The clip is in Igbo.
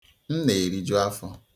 M na-eriju afọ.